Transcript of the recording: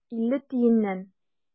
Илле тиеннән.